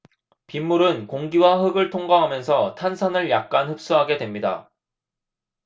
빗물은 공기와 흙을 통과하면서 탄산을 약간 흡수하게 됩니다